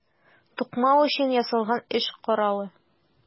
Тукмау өчен ясалган эш коралы.